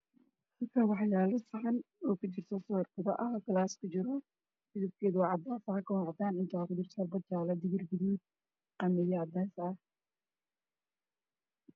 Meeshaan waxaa yaalo saxan waxaa kujiro soor cadeys ah waxaa kujiro galaas, saxanka waa cadaan, sakbad jaale ah waxaa kujiro digir, qamadi cadaan.